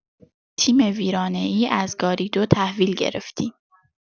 تیم ویرانه‌ای از گاریدو تحویل گرفتیم.